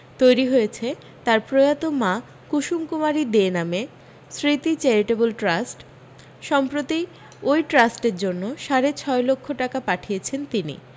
তৈরী হয়েছে তাঁর প্রয়াত মা কূসুম কুমারী দে নামে স্মৃতি চ্যারিটেবল ট্রাস্ট সম্প্রতি ওই ট্রাস্টের জন্য সাড়ে ছয় লক্ষ টাকা পাঠিয়েছেন তিনি